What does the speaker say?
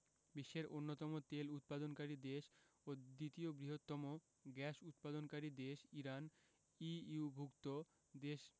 বিশ্বের অন্যতম তেল উৎপাদনকারী দেশ ও দ্বিতীয় বৃহত্তম গ্যাস উৎপাদনকারী দেশ ইরান ইইউভুক্ত দেশ